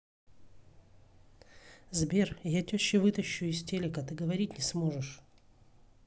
сбер я теще вытащу из телека ты говорить не сможешь